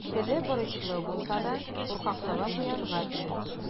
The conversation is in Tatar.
Теле борычлы булса да, куркаклыгы куянга тиң.